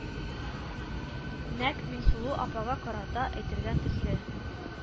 Нәкъ миңсылу апага карата әйтелгән төсле